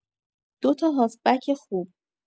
دو تا هافبک خوب